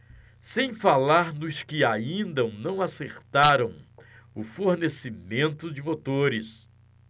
sem falar nos que ainda não acertaram o fornecimento de motores